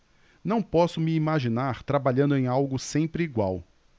não posso me imaginar trabalhando em algo sempre igual